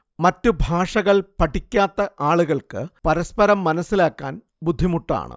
മറ്റുഭാഷകൾ പഠിക്കാത്ത ആളുകൾക്ക് പരസ്പരം മനസ്സിലാക്കാൻ ബുദ്ധിമുട്ടാണ്